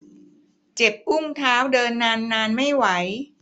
เจ็บอุ้งเท้าเดินนานนานไม่ไหว